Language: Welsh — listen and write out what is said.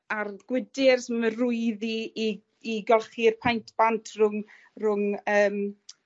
ardd gwydyrs ma' rwyddi i i golchi'r paent bant rhwng rhwng yym